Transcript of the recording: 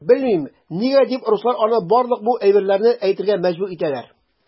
Белмим, нигә дип руслар аны барлык бу әйберләрне әйтергә мәҗбүр итәләр.